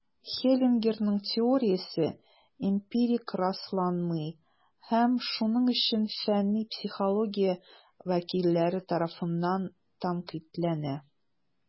Хеллингерның теориясе эмпирик расланмый, һәм шуның өчен фәнни психология вәкилләре тарафыннан тәнкыйтьләнә.